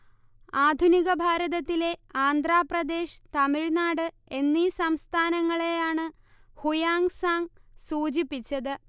ആധുനിക ഭാരതത്തിലെ ആന്ധ്രാപ്രദേശ്, തമിഴ്നാട് എന്നീ സംസ്ഥാനങ്ങളെയാണ് ഹുയാൻസാങ്ങ് സൂചിപ്പിച്ചത്